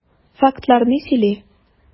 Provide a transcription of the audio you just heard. Фактлар ни сөйли?